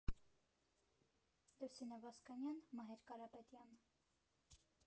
Լուսինե Ոսկանյան Մհեր Կարապետյան։